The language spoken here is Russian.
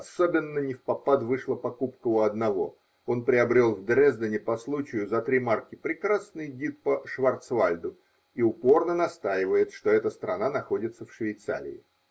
Особенно невпопад вышла покупка у одного: он приобрел в Дрездене по случаю за три марки прекрасный гид по Шварцвальду и упорно настаивает, что эта страна находится в Швейцарии.